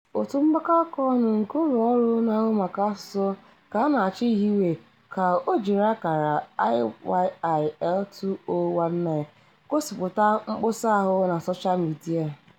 Òtù mgbakọaka ọnụ nke ụloọrụ na-ahụ maka asụsụ ka a na-achọ ihiwe ka o ijiri ákàrà #IYIL2019 gosipụta mkposa ahụ na sosha midia.